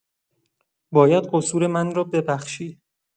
باید قصور من را ببخشی.